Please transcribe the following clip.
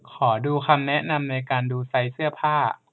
ขอดูคำแนะนำในการดูไซส์เสื้อผ้า